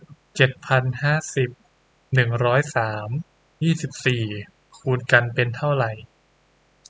เจ็ดพันห้าสิบหนึ่งร้อยสามยี่สิบสี่คูณกันเป็นเท่าไหร่